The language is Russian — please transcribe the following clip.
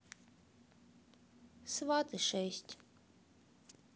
сваты шесть